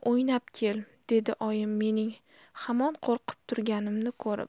o'ynab kel dedi oyim mening hamon qo'rqib turganimni ko'rib